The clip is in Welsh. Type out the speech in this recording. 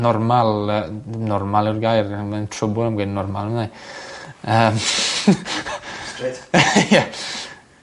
normal yy n- normal yw'r gair a mewn trwbwl am gweud normal yn'e? Yym. Straight Yy ie.